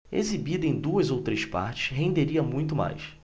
exibida em duas ou três partes renderia muito mais